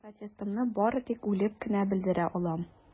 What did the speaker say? Протестымны бары тик үлеп кенә белдерә алам.